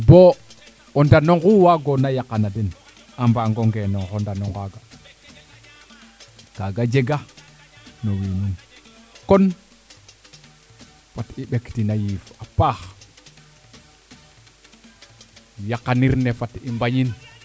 bo o ndana ngu waagona yaqana den a mbango ngenooxo ndano ngaaga kaga jega kon fat i ɓektin a yiif a paax yaqanir ne fat i mbaƴñin